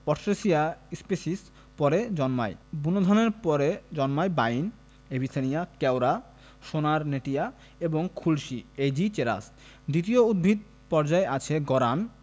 পট্রেসিয়া species পরে জন্মায় বুনো ধানের পরে জন্মায় বাইন এভিসেনিয়া কেওড়া সোনারনেটিয়া এবং খুলশী এইজিচেরাস দ্বিতীয় উদ্ভিদ পর্যায়ে আছে গরান